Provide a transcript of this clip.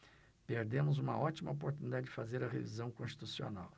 perdemos uma ótima oportunidade de fazer a revisão constitucional